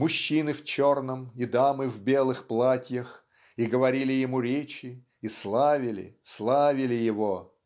мужчины в черном и дамы в белых платьях и говорили ему речи и славили славили его.